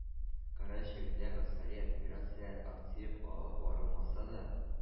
Коры җирдә гаскәри операцияләр актив алып барылмаса да